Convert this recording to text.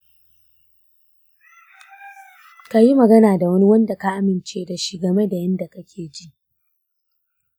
ka yi magana da wani wanda ka amince da shi game da yadda kake ji.